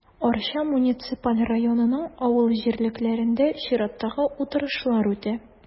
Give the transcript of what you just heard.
Арча муниципаль районының авыл җирлекләрендә чираттагы утырышлар үтә.